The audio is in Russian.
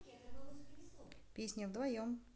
песня вдвоем